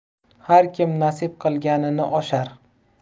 har kim nasib qilganini oshar